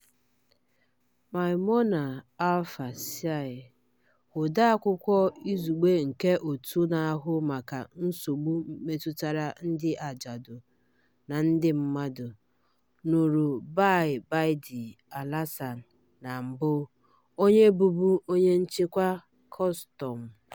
Maimouna Alpha Sy, odeakwụkwọ izugbe nke Òtù na-ahụ maka Nsogbu Metụtara Ndị Ajadu na Ndị Mmadụ, lụrụ Ba Baïdy Alassane na mbụ, onye bụbu onye nchịkwa kọstọmu.